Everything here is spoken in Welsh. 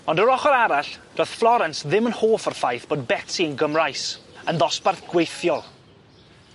Ond yr ochor arall do'dd Florence ddim yn hoff o'r ffaith bod Betsi'n Gymraes yn ddosbarth gweithiol.